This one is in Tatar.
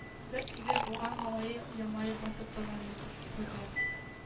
Бер тигез булган малае елмаеп басып торганы иде күрде